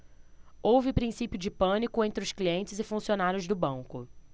houve princípio de pânico entre os clientes e funcionários do banco